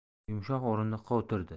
yumshoq o'rindiqqa o'tirdi